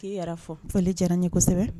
K'i yɛrɛ fo, foli diyara n ye kosɛbɛ.